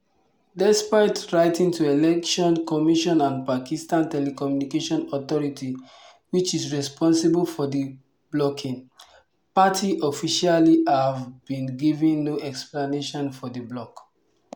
Despite writing to election commission and Pakistan Telecommunication Authority (which is responsible for the blocking), party officials have been given no explanation for the block.